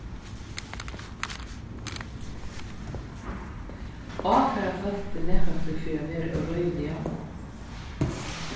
ákæra fólk teg nakrantíð fyri at vera óreiðiliga